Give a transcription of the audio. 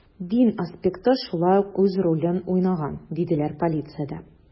Дин аспекты шулай ук үз ролен уйнаган, диделәр полициядә.